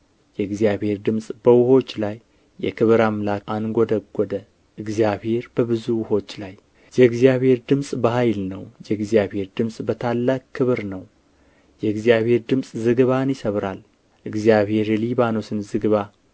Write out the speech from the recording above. የእግዚአብሔር ድምፅ በውኆች ላይ የክብር አምላክ አንጐደጐደ እግዚአብሔር በብዙ ውኆች ላይ የእግዚአብሔር ድምፅ በኃይል ነው የእግዚአብሔር ድምፅ በታላቅ ክብር ነው የእግዚአብር ድምፅ ዝግባን ይሰብራል እግዚአብሔር የሊባኖስን ዝግባ